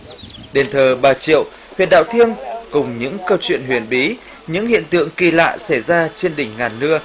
đền thờ bà triệu huyệt đạo thiêng cùng những câu chuyện huyền bí những hiện tượng kỳ lạ xảy ra trên đỉnh ngàn nưa